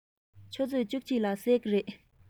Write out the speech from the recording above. ཆུ ཚོད བཅུ གཅིག ལ གསོད ཀྱི རེད